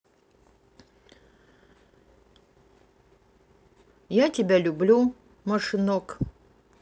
я тебя люблю машинок